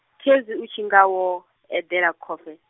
khezwi u tshinga wo, eḓela khofhe?